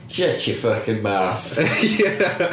Shut your fucking mouth... ...